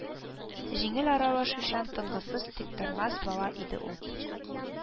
Җиңел аралашучан, тынгысыз, тиктормас бала иде ул